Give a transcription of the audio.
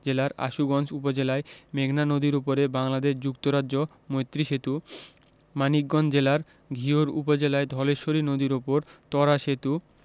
জেলার আশুগঞ্জ উপজেলায় মেঘনা নদীর উপর বাংলাদেশ যুক্তরাজ্য মৈত্রী সেতু মানিকগঞ্জ জেলার ঘিওর উপজেলায় ধলেশ্বরী নদীর উপর ত্বরা সেতু